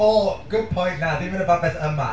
O good point na dim yn y babell yma.